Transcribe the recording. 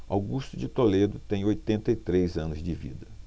augusto de toledo tem oitenta e três anos de vida